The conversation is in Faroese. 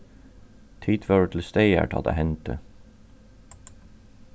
tit vóru til staðar tá tað hendi